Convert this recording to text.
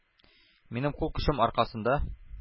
Минем кул көчем аркасында